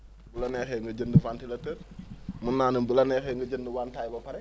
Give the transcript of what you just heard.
bu la neexee nga jënd ventilateur mun naa ne bu la neexee nga jënd wantaay ba pare